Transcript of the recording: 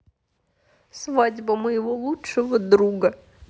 свадьба моего лучшего друга